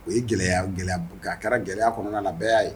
O ye gɛlɛya, gɛlɛya b a kɛra gɛlɛya kɔnɔna na bɛɛ y'a ye.